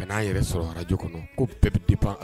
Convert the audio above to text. N'a yɛrɛ sɔrɔ araj kɔnɔ ko bɛɛ bɛ di ban